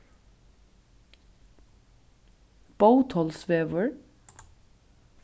bótolvsvegur